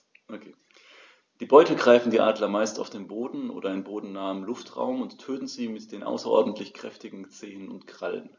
Die Beute greifen die Adler meist auf dem Boden oder im bodennahen Luftraum und töten sie mit den außerordentlich kräftigen Zehen und Krallen.